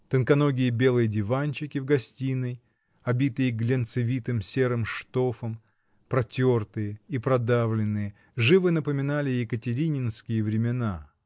Тонконогие белые диванчики в гостиной, обитые глянцевитым серым штофом, протертые и продавленные, живо напоминали екатерининские времена